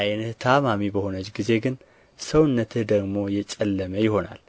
ዓይንህ ታማሚ በሆነች ጊዜ ግን ሰውነትህ ደግሞ የጨለመ ይሆናል